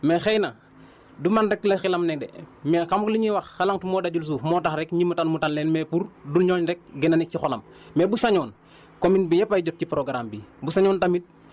parce que bu ko neexoon bim ñëwee ci village bi mënoon na maa ñàkk a jël mais xëy na du man rek la xelam ne de mais xam nga lu ñuy wax * moo dajul suuf moo tax rek ñi mu tànn mu tànn leen mais pour du ñooñu rek gën a nekk ci xolam